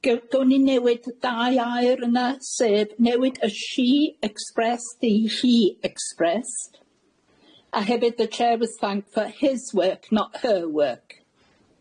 Gew- gown ni newid y ddau air yna, sef newid y 'she expressed' i 'he expressed', a hefyd 'the chair was thanked for his work' not 'her work'.